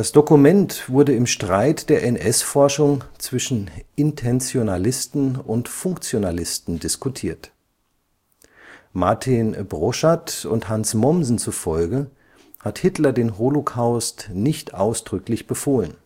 Dokument wurde im Streit der NS-Forschung zwischen Intentionalisten und Funktionalisten diskutiert. Martin Broszat und Hans Mommsen zufolge hat Hitler den Holocaust nicht ausdrücklich befohlen